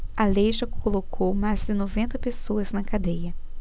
a lei já colocou mais de noventa pessoas na cadeia